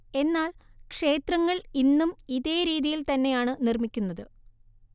എന്നാല്‍ ക്ഷേത്രങ്ങള്‍ ഇന്നും ഇതേ രീതിയില്‍ തന്നെയാണ്‌ നിര്‍മ്മിക്കുന്നത്